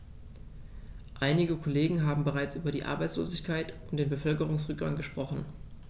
Einige Kollegen haben bereits über die Arbeitslosigkeit und den Bevölkerungsrückgang gesprochen.